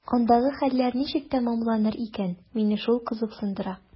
Андагы хәлләр ничек тәмамланыр икән – мине шул кызыксындыра.